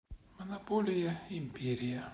монополия империя